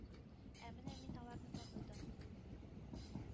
Ә менә мин аларны таныдым.